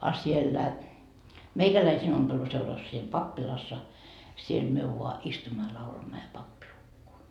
a siellä meikäläisten ompeluseurassa siinä pappilassa siellä me vain istumme ja laulamme ja pappi lukee